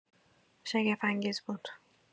شگفت‌انگیز بود.